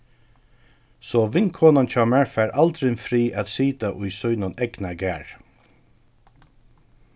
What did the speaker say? so vinkonan hjá mær fær aldrin frið at sita í sínum egna garði